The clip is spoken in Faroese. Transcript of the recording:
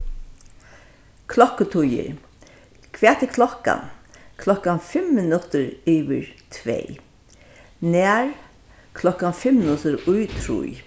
klokkutíðir hvat er klokkan klokkan fimm minuttir yvir tvey nær klokkan fimm minuttir í trý